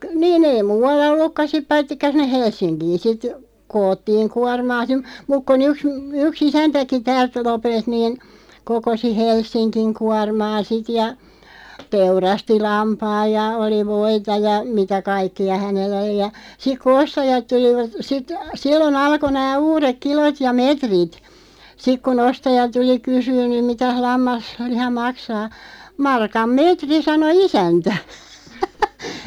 - niin ei muualla ollutkaan sitten paitsi sinne Helsinkiin sitten koottiin kuormaa - mutta kun yksi yksi isäntäkin täältä Lopelta niin kokosi Helsingin kuormaa sitten ja teurasti lampaan ja oli voita ja mitä kaikkia hänellä oli ja sitten kun ostajat tulivat sitten silloin alkoi nämä uudet kilot ja metrit sitten kun ostaja tuli kysymään nyt mitäs - lammasliha maksaa markan metri sanoi isäntä